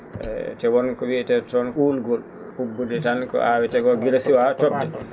e te wonko ko wiyetee toon uulngol ubbude tan ko aawetee koo gila suwaa to?de